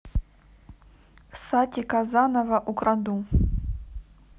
сати казанова украду